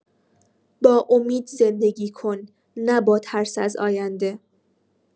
با امید زندگی کن نه با ترس از آینده.